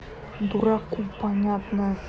дураку понятно